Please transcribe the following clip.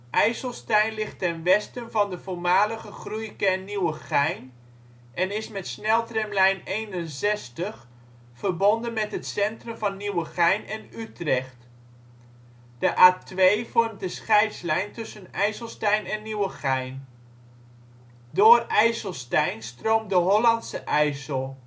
IJsselstein ligt ten westen van de voormalige groeikern Nieuwegein en is met sneltramlijn 61 verbonden met het centrum van Nieuwegein en Utrecht. De A2 vormt de scheidslijn tussen IJsselstein en Nieuwegein. Door IJsselstein stroomt de Hollandse IJssel